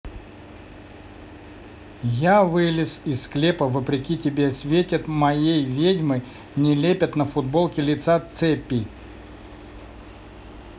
я вылез из склепа вопреки тебе светят моей ведьмы не лепят на футболке лица цепи